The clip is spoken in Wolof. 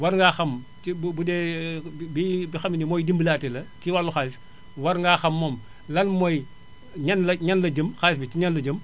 war ngaa xam ci budee bi nga xam ne nii biy dimbalaate la ci wàllu xaalis war ngaa xam moom lan mooy ñan la ñan la jëm xaalis bi ci ñan la jëm